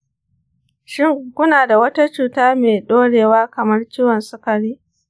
shin kuna da wata cuta mai dorewa kamar ciwon sukari?